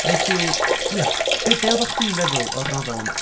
Felly ia be be oeddach chdi'n feddwl o'r nofel yma?